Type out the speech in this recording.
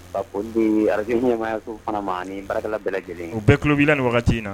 Ko arazso fana ma ni bɛɛ lajɛlen u bɛɛ kubila nin waati wagati in na